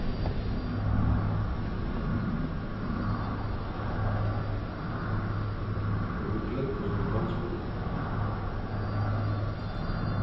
og vit gleddust um barnsburðin